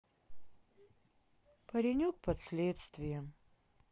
паренек под следствием